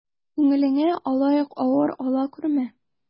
Күңелеңә алай ук авыр ала күрмә.